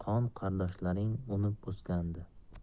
qardoshlaring unib o'sgandi